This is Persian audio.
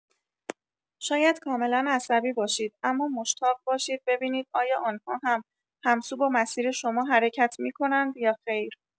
شاید کاملا عصبی باشید، اما مشتاق باشید ببینید آیا آن‌ها هم هم‌سو با مسیر شما حرکت می‌کنند یا خیر.